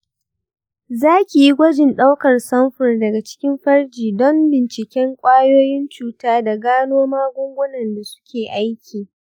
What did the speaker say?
za ki yi gwajin ɗaukar samfur daga cikin farji don binciken ƙwayoyin cuta da gano magungunan da suke aiki .